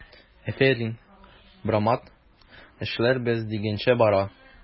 Афәрин, брамат, эшләр без дигәнчә бара!